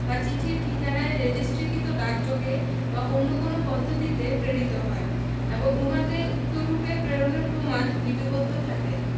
বা চিঠির ঠিকানায় রেজিষ্ট্রিকৃত ডাকযোগে বা অন্য কোন পদ্ধতিতে প্রেরিত হয় এবং উহাতে উক্তরূপে প্রেরণের প্রমাণ লিপিবদ্ধ থাকে